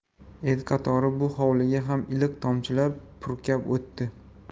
el qatori bu hovliga ham iliq tomchilar purkab o'tdi